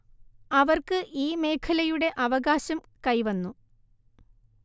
അവർക്ക് ഈ മേഖലയുടെ അവകാശം കൈവന്നു